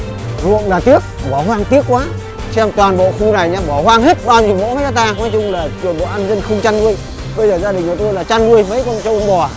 ruộng là tiếc bỏ hoang tiếc quá xem toàn bộ khu này nhà bỏ hoang hết bao nhiêu mẫu héc ta nói chung là không chăn nuôi bây giờ gia đình nhà tôi là chăn nuôi mấy con trâu con bò